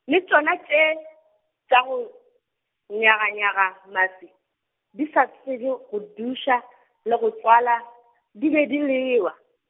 le tšona tše, tša go nyaganyaga maswi, di sa tsebe go duša, le go tswala, di be di lewa.